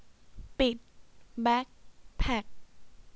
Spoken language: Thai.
ปิดแบคแพ็ค